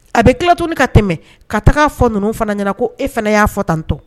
A bɛ tilat ka tɛmɛ ka taga' fɔ ninnu fana ɲɛna ko e fana y'a fɔ tantɔn